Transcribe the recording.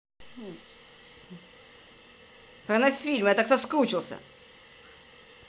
порнофильмы я так соскучился